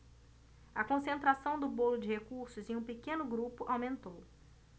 a concentração do bolo de recursos em um pequeno grupo aumentou